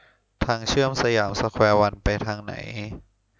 ทางเชื่อมสยามสแควร์วันไปทางไหน